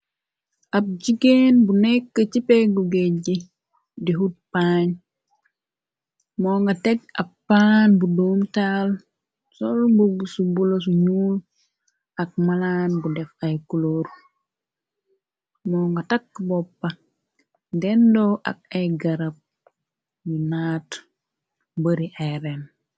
Ab jigéen bu nekk ci peggu géej gi di hood paañ moo nga teg ab paan bu doom taal sol mbugg su bula su nyuul ak malaan bu def ay kulooru moo nga tagk boppa dendoo ak ay garab yu naat bari ay ren.